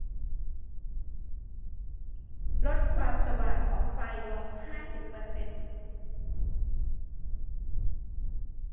ลดความสว่างของไฟลงห้าสิบเปอร์เซ็นต์